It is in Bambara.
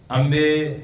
An bee